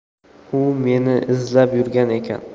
u meni izlab yurgan ekan